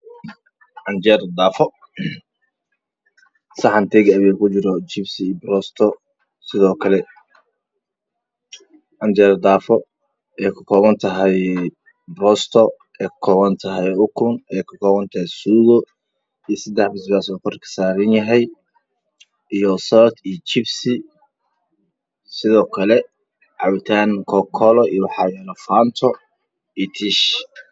Canjeero daafe saxan tag awey ah ku jira jibsi iyo roosto sidoo kale canjeero daafo ay ka kooban tahay roosto wax ka kooban tahay ukun ay ka kooban tahay suugo iyo sadex bas baas oo kor ka saaran iyo socod io jibsi sidoo kale cabitaan koko koole io faato iyo tiish